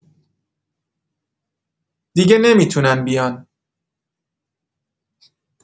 دیگه نمی‌تونن بیان.